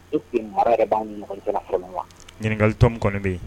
Ɲininkakalitom kɔni bɛ yen